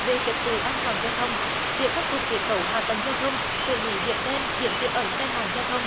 về trật tự an toàn giao thông việc khắc phục kết cấu hạ tầng giao thông xử lý điểm đen điểm tiềm ẩn tai nạn giao thông